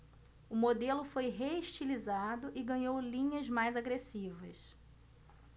o modelo foi reestilizado e ganhou linhas mais agressivas